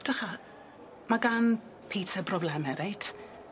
'Drycha ma' gan Peter brobleme reit?